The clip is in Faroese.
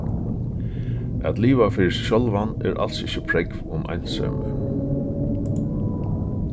at liva fyri seg sjálvan er als ikki prógv um einsemi